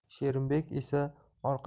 sherimbek esa orqaga